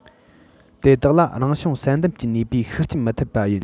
དེ དག ལ རང བྱུང བསལ འདེམས ཀྱི ནུས པའི ཤུགས རྐྱེན མི ཐེབས པ ཡིན